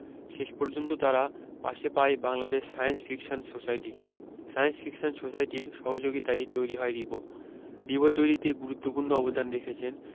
শেষ পর্যন্ত তারা পাশে পায় বাংলাদেশ সায়েন্স ফিকশন সোসাইটিকে সায়েন্স ফিকশন সোসাইটির সহযোগিতায়ই তৈরি হয় রিবো রিবো তৈরিতে গুরুত্বপূর্ণ অবদান রেখেছেন